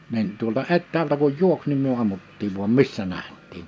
niin tuolta etäältä kun juoksi niin me ammuttiin vain missä nähtiin